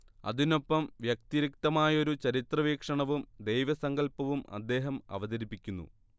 അതിനൊപ്പം വ്യതിരിക്തമായൊരു ചരിത്രവീക്ഷണവും ദൈവസങ്കല്പവും അദ്ദേഹം അവതരിപ്പിക്കുന്നു